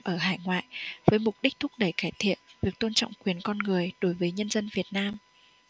ở hải ngoại với mục đích thúc đẩy cải thiện việc tôn trọng quyền con người đối với nhân dân việt nam